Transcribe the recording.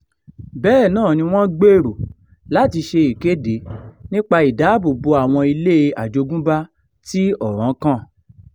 Bẹ́ẹ̀ náà ni wọ́n gbèrò láti ṣe ìkéde nípa ìdààbò bo àwọn ilé àjogúnbá tí ọ̀rán kàn.